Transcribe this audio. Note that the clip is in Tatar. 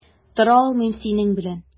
Тора алмыйм синең белән.